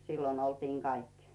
silloin oltiin kaikki